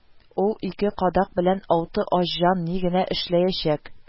Ул ике кадак белән алты ач җан ни генә эшләячәк